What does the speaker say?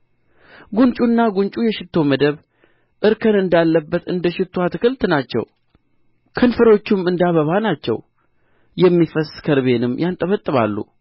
ጕንጩና ጕንጩ የሽቱ መደብ እርከን እንዳለበት እንደ ሽቱ አትክልት ናቸው ከንፈሮቹ እንደ አበቦች ናቸው የሚፈስስ ከርቤንም ያንጠበጥባሉ